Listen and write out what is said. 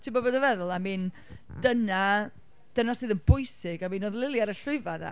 Tibod be dwi’n feddwl? I mean, dyna, dyna sydd yn bwysig. I mean oedd Lily ar y llwyfan 'na...